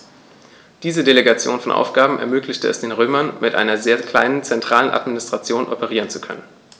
Diese Delegation von Aufgaben ermöglichte es den Römern, mit einer sehr kleinen zentralen Administration operieren zu können.